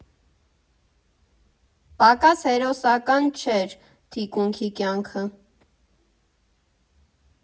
Պակաս հերոսական չէր թիկունքի կյանքը։